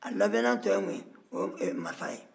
a labɛnnan tɔ ye mun o ye marifa ye